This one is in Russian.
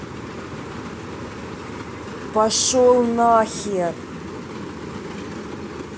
пошел нахер